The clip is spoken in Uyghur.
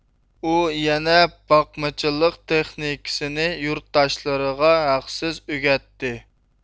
ئۇ يەنە باقمىچىلىق تېخنىكىسىنى يۇرتداشلىرىغا ھەقسىز ئۆگەتتى